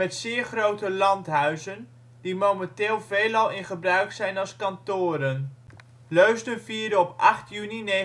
zeer grote landhuizen die momenteel veelal in gebruik zijn als kantoren. Leusden vierde in 8 juni 1977